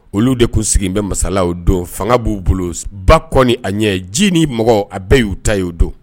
Olu de tun sigilen bɛ masayaw don fanga b'u bolo ba kɔni a ɲɛ ji ni mɔgɔ a bɛɛ y'u ta ye o don